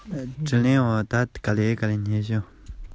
རྒད པོ སྨ ར ཅན ལ བྱིན